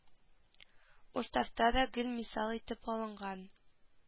Уставта да гел мисал итеп алынган